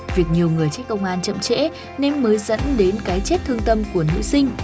việc nhiều người chết công an chậm trễ nên mới dẫn đến cái chết thương tâm của nữ sinh